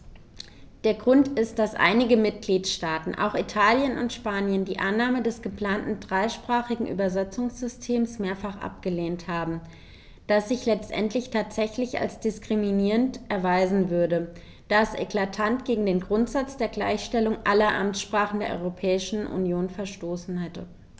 Der Grund ist, dass einige Mitgliedstaaten - auch Italien und Spanien - die Annahme des geplanten dreisprachigen Übersetzungssystems mehrfach abgelehnt haben, das sich letztendlich tatsächlich als diskriminierend erweisen würde, da es eklatant gegen den Grundsatz der Gleichstellung aller Amtssprachen der Europäischen Union verstoßen hätte.